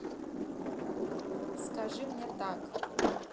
скажи мне так